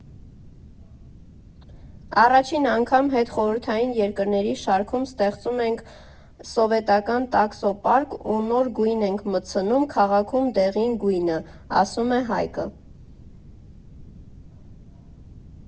Առաջին անգամ հետխորհրդային երկրների շարքում ստեղծում ենք սովետական տաքսոպարկ ու նոր գույն ենք մտցնում քաղաքում՝ դեղին գույնը»,֊ասում է Հայկը։